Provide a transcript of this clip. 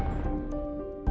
trời